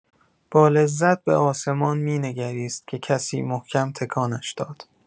با لذت به آسمان می‌نگریست که کسی محکم تکانش داد.